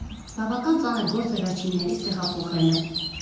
Բավական ծանր գործ է վերջիններիս տեղափոխելը.